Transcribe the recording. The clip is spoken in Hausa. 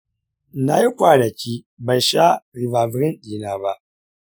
na yi kwanaki ban sha ribavirin ɗina ba.